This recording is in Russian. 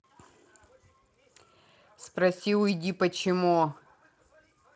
спроси уйди почему